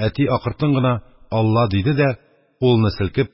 Әти акыртын гына: «Алла!» – диде дә, кулыны селкеп,